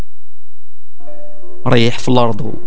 ريح في الارض